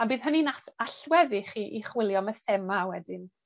A bydd hynny'n ath- allwedd i chi i chwilio am y thema wedyn.